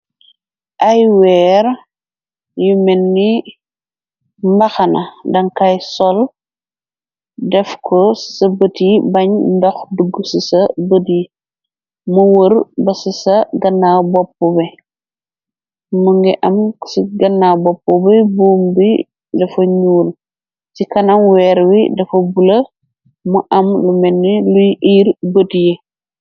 Ay weer yu menni mbaxana dankoy sol def ko sa bët i bañ ndox dugg ci sa bët yi mu wër ba ci sa gannaw bopp bi mu ngi am ci ganna bopp bi buum bi dafa ñuur ci kanam weer wi dafa bula mu am lu menni luy iir bët yi.